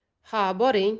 ha boring